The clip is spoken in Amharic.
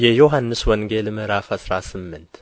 የዮሐንስ ወንጌል ምዕራፍ አስራ ስምንት